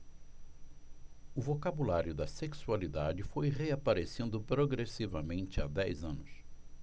o vocabulário da sexualidade foi reaparecendo progressivamente há dez anos